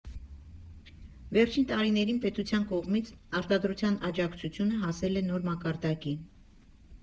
Վերջին տարիներին պետության կողմից արտադրության աջակցությունը հասել է նոր մակարդակի։